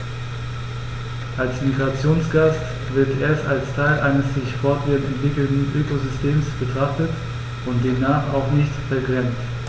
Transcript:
Als Migrationsgast wird er als Teil eines sich fortwährend entwickelnden Ökosystems betrachtet und demnach auch nicht vergrämt.